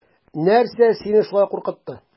Нәрсә саине шулай куркытты?